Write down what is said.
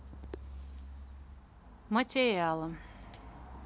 материалы